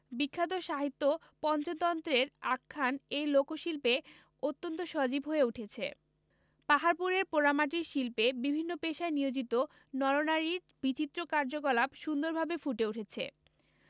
বিখ্যাত সাহিত্য পঞ্চতন্ত্রের আখ্যান এই লোকশিল্পে অত্যন্ত সজীব হয়ে উঠেছে পাহাড়পুরের পোড়ামাটির শিল্পে বিভিন্ন পেশায় নিয়োজিত নর নারীর বিচিত্র কার্যকলাপ সুন্দরভাবে ফুটে উঠেছে